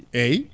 eeyi